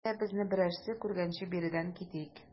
Әйдә, безне берәрсе күргәнче биредән китик.